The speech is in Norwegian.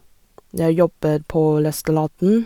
Jeg jobber på restauranten.